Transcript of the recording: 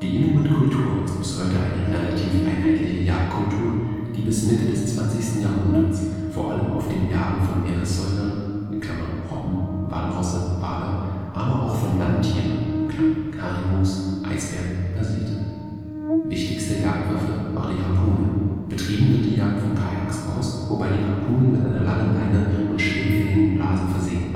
Inuit-Kultur ist bis heute eine relativ einheitliche Jagdkultur, die bis Mitte des 20. Jahrhunderts vor allem auf dem Jagen von Meeressäugern (Robben, Walrosse, Wale), aber auch von Landtieren (Karibus, Eisbären) basierte. Wichtigste Jagdwaffe war die Harpune, betrieben wird die Jagd von Kajaks aus, wobei die Harpunen mit einer langen Leine und schwimmfähigen Blasen versehen